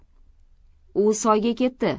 u soyga ketdi